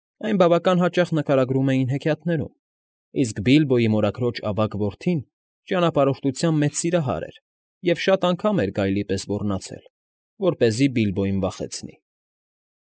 Այն բավական հաճախ նկարագրում էին հեքիաթներում, իսկ Բիլբոյի մորաքրոջ ավագ որդին ճանապարհորդության մեծ սիրահար էր և շատ անգամ էր գայլի պես ոռնացել, որպեսզի Բիլբոյին վախեցնի։